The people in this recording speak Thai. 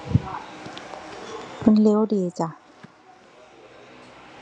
มันเร็วดีจ้ะ